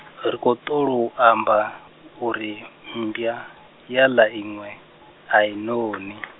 ri khou tholo u amba, uri, mmbwa, ya ḽa iṅwe, a i noni.